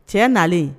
Cɛ nalen